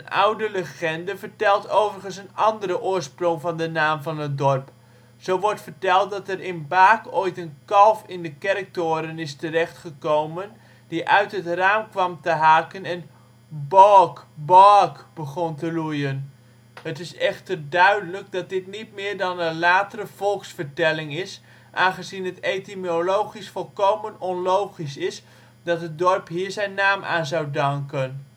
oude legende vertelt overigens een andere oorsprong van de naam van het dorp. Zo wordt verteld dat er in Baak ooit een kalf in de kerktoren is terechtgekomen die uit het raam kwam te hangen en ' boaaak, boaaak ' begon te loeien. Het is echter duidelijk dat dit niet meer dan een latere volksvertelling is, aangezien het etymologisch volkomen onlogisch is dat het dorp hier zijn naam aan zou danken